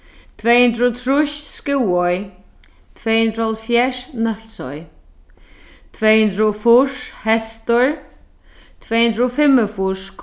tvey hundrað og trýss skúvoy tvey hundrað og hálvfjerðs nólsoy tvey hundrað og fýrs hestur tvey hundrað og fimmogfýrs